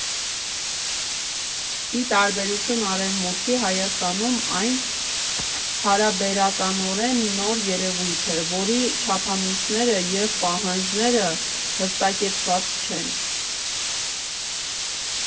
Ի տարբերություն Արևմուտքի, Հայաստանում այն հարաբերականորեն նոր երևույթ է, որի չափանիշները և պահանջները հստակեցված չեն։